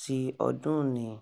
ti ọdún nìí.